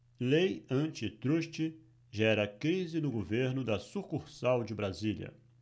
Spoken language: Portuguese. lei antitruste gera crise no governo da sucursal de brasília